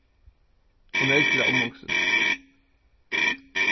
hon er ógvuliga umhugsin